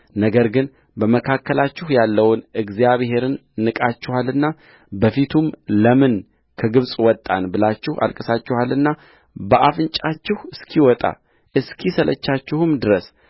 ነገር ግን በመካከላችሁ ያለውን እግዚአብሔርን ንቃችኋልና በፊቱም ለምን ከግብፅ ወጣን ብላችሁ አልቅሳችኋልና በአፍንጫችሁ እስኪወጣ እስኪሰለቻችሁም ድረስ